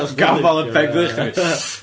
Gafael yn pen-glin chdi a mynd .